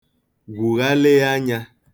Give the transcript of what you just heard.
gwùghalị anyà